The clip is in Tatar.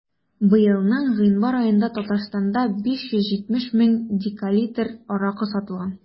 Быелның гыйнвар аенда Татарстанда 570 мең декалитр аракы сатылган.